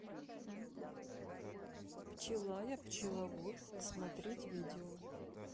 пчела я пчеловод смотреть видео